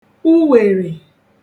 uwèrè